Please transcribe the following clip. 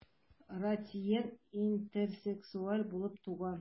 Ратьен интерсексуал булып туган.